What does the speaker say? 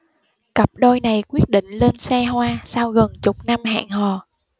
cặp đôi này quyết định lên xe hoa sau gần chục năm hẹn hò